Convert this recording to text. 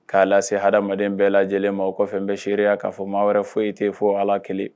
K'a lase se ha adamadama bɛɛ lajɛlen ma o kɔfɛ bɛ seereya k'a fɔ maa wɛrɛ foyi e tɛ fɔ ala kelen